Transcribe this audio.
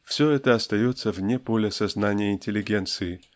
все это остается вне поля сознания интеллигенции